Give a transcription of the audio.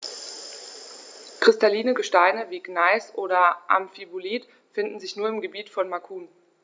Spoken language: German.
Kristalline Gesteine wie Gneis oder Amphibolit finden sich nur im Gebiet von Macun.